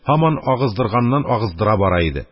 Һаман агыздырганнан-агыздыра бара иде.